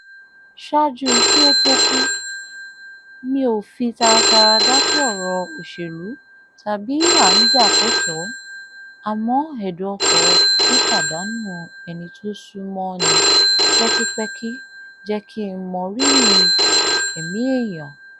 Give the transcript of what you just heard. Ṣáájú kí ó tóó kú, Mi ò fi taratara dá sí ọ̀rọ̀ òṣèlú tàbí à ń jà fẹ́tọ̀ọ́, àmọ́ ẹ̀dùn ọ̀kàn pípàdánù ẹni tó súnmọ ni pẹ́kípẹ́kí jẹ́ kí n mọ rírí ẹ̀mí eèyàn.